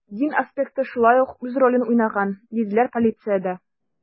Дин аспекты шулай ук үз ролен уйнаган, диделәр полициядә.